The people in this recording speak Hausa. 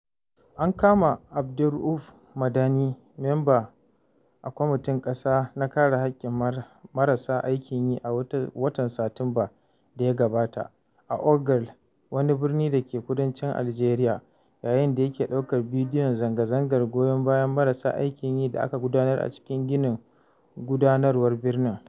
An kama Abderaouf Madani, memba a kwamitin ƙasa na kare haƙƙin marasa aikin yi a watan Satumban da ya gabata a Ouargla, wani birni dake kudancin Aljeriya, yayin da yake ɗaukar bidiyon zanga-zangar goyon bayan marasa aikin yi da aka gudanar a cikin ginin gudanarwar birnin.